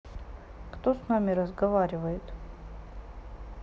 кто с нами разговаривает